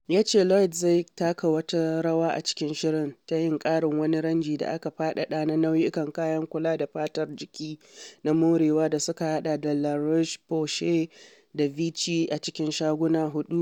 Ya ce Llyods zai taka wata rawa a cikin shirin, ta yin ƙarin wani ranji da aka faɗaɗa na nau’ukan kayan kula da fatar jiki na morewa da suka haɗa da La Roche-Posay da Vichy a cikin shaguna huɗu.